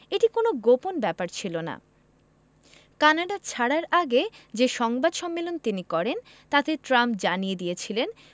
এটি কোনো গোপন ব্যাপার ছিল না কানাডা ছাড়ার আগে যে সংবাদ সম্মেলন তিনি করেন তাতে ট্রাম্প জানিয়ে দিয়েছিলেন